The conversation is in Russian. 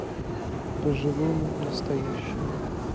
по живому настоящему